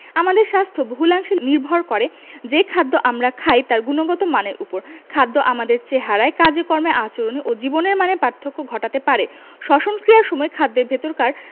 আমাদের স্বাস্থ্য বহুলাংশে নির্ভর করে যে খাদ্য আমরা খাই তার গুণগত মানের ওপর খাদ্য আমাদের চেহারায় কাজকর্মে আচরণে ও জীবনের মানে পার্থক্য ঘটাতে পারে শ্বসন ক্রিয়ার সময় খাদ্যের ভেতরকার